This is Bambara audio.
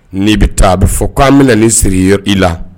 N'i bɛ taa a bɛ fɔ k'an mɛn na ni siri i ye i la.